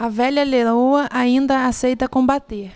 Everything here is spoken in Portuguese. a velha leoa ainda aceita combater